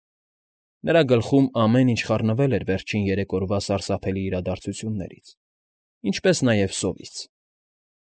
Նրա գլխում ամեն ինչ խառնվել էր վերջին երեք օրվա սարսափելի իրադարձություններից, ինչպես նաև սովից։